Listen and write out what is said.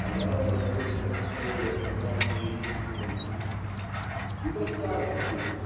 стояла Груша в поле ранней весной" и до старости